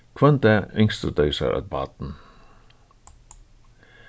hvønn dag ynsktu tey sær eitt barn